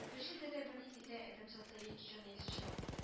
Бер җирдә дә бернинди дә адәм заты яки җан иясе очратмый